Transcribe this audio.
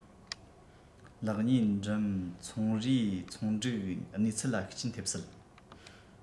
ལག ཉིས འགྲིམ ཚོང རའི ཚོང འགྲིག གནས ཚུལ ལ ཤུགས རྐྱེན ཐེབས སྲིད